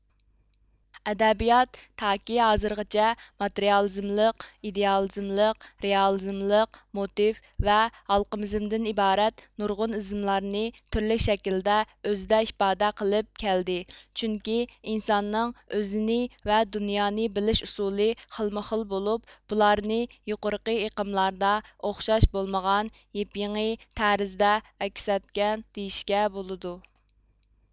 ئەدەبىيات تاكى ھازىرغىچە ماتېرىيالىزملىق ئىدېئالىزملىق رېئالىزملىق موتىف ۋە ھالقىمىزمدىن ئىبارەت نۇرغۇن ئىزملارنى تۈرلۈك شەكىلدە ئۆزىدە ئىپادە قىلىپ كەلدى چۈنكى ئىنساننىڭ ئۆزىنى ۋە دۇنيانى بىلىش ئۇسۇلى خىلمۇخىل بولۇپ بۇلارنى يۇقىرىقى ئېقىملاردا ئوخشاش بولمىغان يېپيېڭى تەرىزدە ئەكس ئەتكەن دېيىشكە بولىدۇ